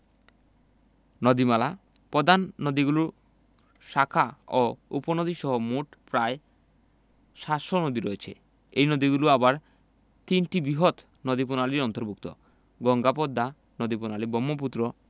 নদীমালাঃ প্রধান নদীগুলোর শাখা ও উপনদীসহ মোট প্রায় ৭০০ নদী রয়েছে এই নদীগুলো আবার তিনটি বৃহৎ নদীপ্রণালীর অন্তর্ভুক্ত গঙ্গা পদ্মা নদীপ্রণালী ব্রহ্মপুত্র